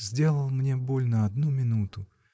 сделал мне боль на одну минуту.